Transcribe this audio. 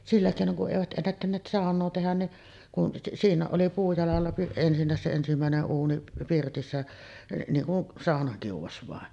sillä keinoin kun eivät ennättäneet saunaa tehdä niin siinä oli puujalalla ensinnäkin se ensimmäinen uuni pirtissä niin kuin saunakiuas vain